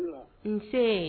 Nse